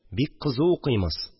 Бик кызу укыймыз